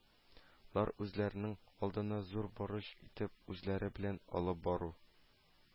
Лар үзләренең алдына зур бурыч итеп үзләре белән алып бару,